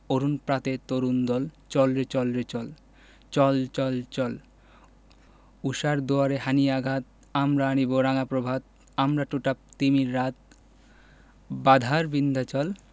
অরুণ প্রাতের তরুণ দল চল রে চল রে চল চল চল চল ঊষার দুয়ারে হানি' আঘাত আমরা আনিব রাঙা প্রভাত আমরা টুটাব তিমির রাত বাধার বিন্ধ্যাচল